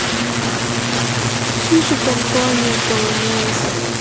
чиж и компания полонез